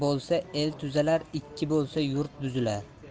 tuzalar ikki bo'lsa yurt buzilar